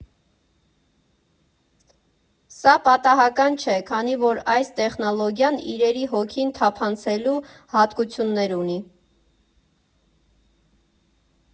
Սա պատահական չէ, քանի որ այս տեխնոլոգիան իրերի հոգին թափանցելու հատկություններ ունի։